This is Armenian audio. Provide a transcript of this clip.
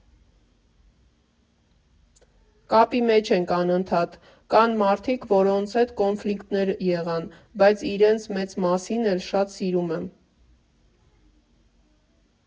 Կապի մեջ ենք անընդհատ, կան մարդիկ, որոնց հետ կոնֆլիկտներ եղան, բայց իրենց մեծ մասին էլ շատ սիրում եմ։